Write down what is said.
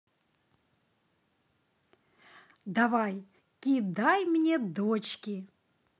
давай кидай мне дочки